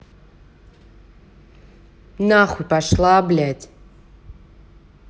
нахуй пошла блять